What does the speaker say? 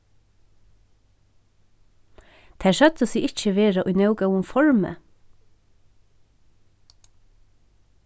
tær søgdu seg ikki vera í nóg góðum formi